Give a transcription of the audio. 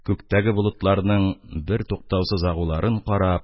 Күктәге болытларның бертуктаусыз агуларын карап